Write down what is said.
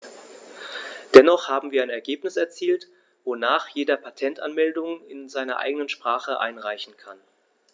Dennoch haben wir ein Ergebnis erzielt, wonach jeder Patentanmeldungen in seiner eigenen Sprache einreichen kann.